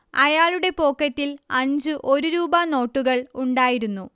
അയാളുടെ പോക്കറ്റിൽ അഞ്ചു ഒരുരൂപ നോട്ടുകൾ ഉണ്ടായിരുന്നു